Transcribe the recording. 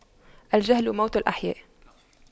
الجهل موت الأحياء